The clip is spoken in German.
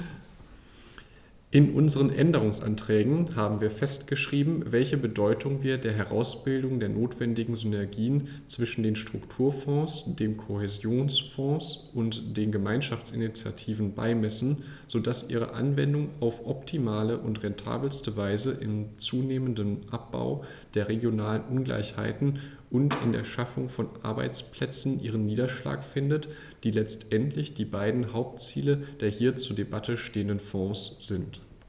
In unseren Änderungsanträgen haben wir festgeschrieben, welche Bedeutung wir der Herausbildung der notwendigen Synergien zwischen den Strukturfonds, dem Kohäsionsfonds und den Gemeinschaftsinitiativen beimessen, so dass ihre Anwendung auf optimale und rentabelste Weise im zunehmenden Abbau der regionalen Ungleichheiten und in der Schaffung von Arbeitsplätzen ihren Niederschlag findet, die letztendlich die beiden Hauptziele der hier zur Debatte stehenden Fonds sind.